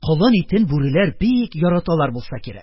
Колын итен бүреләр бик яраталар булса кирәк,